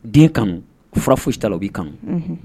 Den kanu fura foyita u b'i kanu